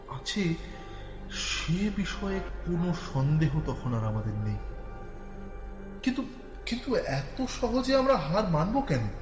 আছে সে বিষয়ে কোনো সন্দেহ তখন আর আমাদের নেই কিন্তু কিন্তু এত সহজে আমরা হার মানবো কেন